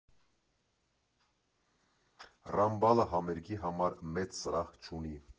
Ռամբալը համերգի համար մեծ սրահ չունի.